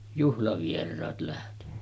juhlavieraat lähtenyt